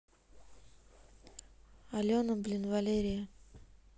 алена блин валерия